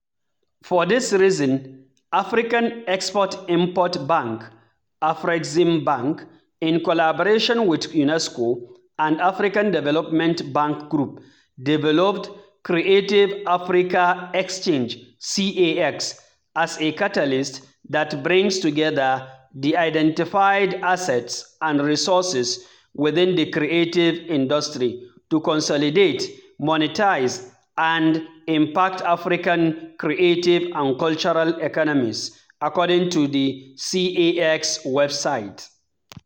For this reason, African Export-Import Bank (Afreximbank) in collaboration with UNESCO and African Development Bank Group, developed the Creative Africa Exchange (CAX) as a "catalyst that brings together the identified assets and resources within the creative industry" to consolidate, monetize and impact African creative and cultural economies, according to the CAX website.